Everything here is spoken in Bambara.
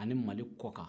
ani mali kɔkan